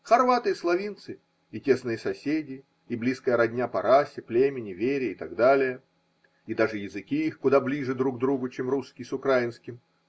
Хорваты и словинцы – и тесные соседи, и близкая родня по расе, племени, вере и т.д. , и даже языки их куда ближе друг другу, чем русский с украинским